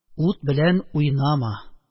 Ут белән уйнама!